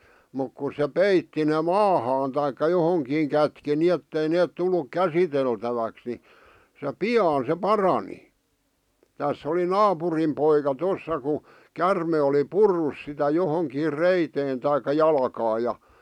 mutta kun se peitti ne maahan tai johonkin kätki niin ettei ne tullut käsiteltäväksi niin se pian se parani tässä oli naapurin poika tuossa kun käärme oli purrut sitä johonkin reiteen tai jalkaan ja